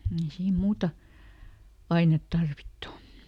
ei siinä muuta ainetta tarvittu